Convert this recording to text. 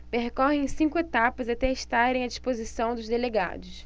percorrem cinco etapas até estarem à disposição dos delegados